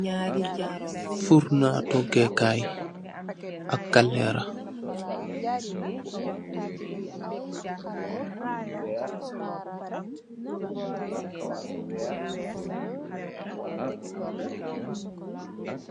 Furnaa togeeh kaay, ak kaleerah.